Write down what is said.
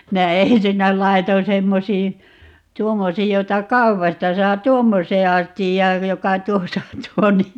minä ensinnä laitoin semmoisiin tuommoisiin jota kaupasta saa tuommoiseen astiaan joka tuossa on tuo niin